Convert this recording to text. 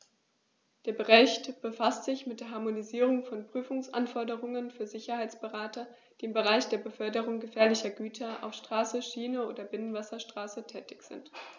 Der Bericht befasst sich mit der Harmonisierung von Prüfungsanforderungen für Sicherheitsberater, die im Bereich der Beförderung gefährlicher Güter auf Straße, Schiene oder Binnenwasserstraße tätig sind.